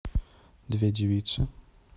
две девицы